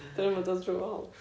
'di nhw'm yn dod drwy wal?